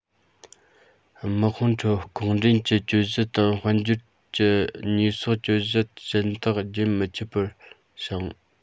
དམག དཔུང ཁྲོད ལྐོག འདྲེན གྱི གྱོད གཞི དང དཔལ འབྱོར གྱི ཉེས གསོག གྱོད གཞི གཞན དག རྒྱུན མི འཆད པར འབྱུང